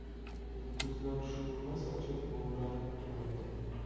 yulduzlar shu'la sochib mo'ralab turardi